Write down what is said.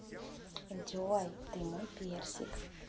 джой ты мой персик